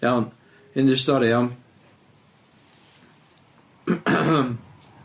Iawn hyn 'di'r stori iawn?